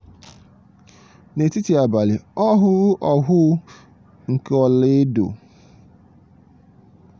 N'etiti abalị, ọ hụrụ ọhụụ nke ọlaedo.